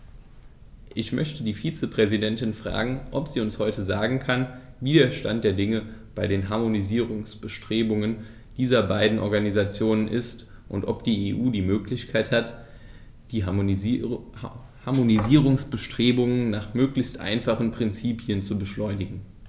Ich möchte die Vizepräsidentin fragen, ob sie uns heute sagen kann, wie der Stand der Dinge bei den Harmonisierungsbestrebungen dieser beiden Organisationen ist, und ob die EU die Möglichkeit hat, die Harmonisierungsbestrebungen nach möglichst einfachen Prinzipien zu beschleunigen.